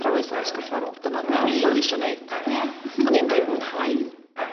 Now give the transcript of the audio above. athrawes addysg gorfforol dyna oni rili isio neud oni'n rili mwynhau